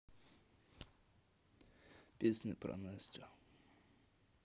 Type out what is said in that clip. песня про настю